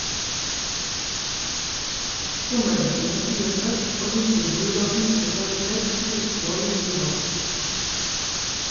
Sommerdekkene stues vekk og vinterhjul av ymse kvalitet skrus på i hui og hast.